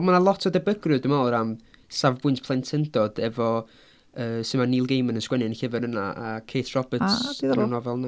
Ma' 'na lot o debygrwydd dwi'n meddwl o ran safbwynt plentyndod efo yy sut mae Neil Gaiman yn sgwennu yn y llyfr yna a Kate Roberts... a diddorol ...'di'r nofel 'na.